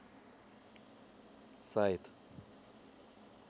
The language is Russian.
сайт